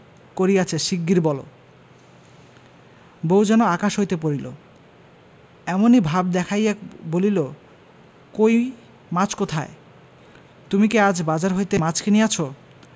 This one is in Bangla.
করিয়াছে শীগগীর বল বউ যেন আকাশ হইতে পড়িল এমনি ভাব দেখাইয়া বলিল কই মাছ কোথায় তুমি কি আজ বাজার হইতে মাছ কিনিয়াছ